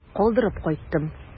Калдырып кайттым.